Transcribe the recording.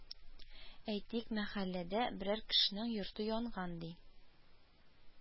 Әйтик, мәхәлләдә берәр кешенең йорты янган, ди